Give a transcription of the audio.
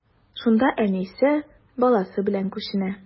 Шунда әнисе, баласы белән күченә.